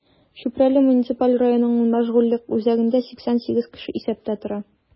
Чүпрәле муниципаль районының мәшгульлек үзәгендә 88 кеше исәптә тора.